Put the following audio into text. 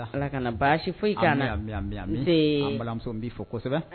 Ala ka baasi foyi ka nan n se amin amin amin an balimamuso n'bi fo kosɛbɛ